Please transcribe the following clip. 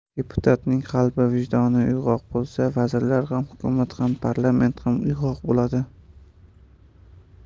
deputatning qalbi vijdoni uyg'oq bo'lsa vazirlar ham hukumat ham parlament ham uyg'oq bo'ladi